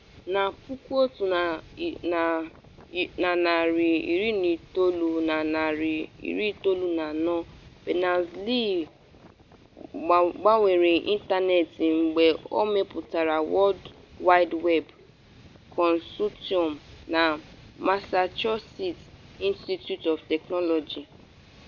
Na 1994, Berners-Lee gbanwere Ịntanetị mgbe ọ mepụtara World Wide Web Consortuim na Massachusetts Institue of Technology.